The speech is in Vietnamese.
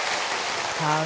hà